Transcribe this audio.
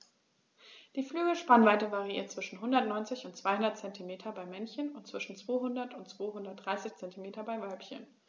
Die Flügelspannweite variiert zwischen 190 und 210 cm beim Männchen und zwischen 200 und 230 cm beim Weibchen.